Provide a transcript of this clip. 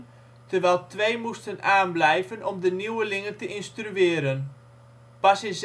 terwijl twee moesten aanblijven, om de nieuwelingen te instrueren. Pas in